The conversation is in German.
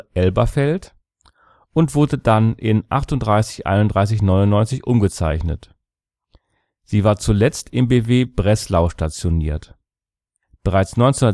Elberfeld und wurde dann in 38 3199 umgezeichnet. Sie war zuletzt im Bw Breslau stationiert. Bereits 1926